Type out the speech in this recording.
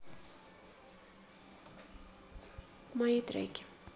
мои треки